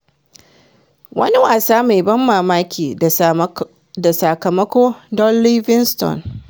Wani wasa mai ban mamaki da sakamako don Livingston.